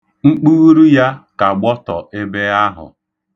Mkpughuru ya ka gbọtọ ebe ahụ.